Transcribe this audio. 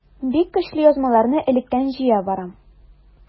Бик көчле язмаларны электән җыя барам.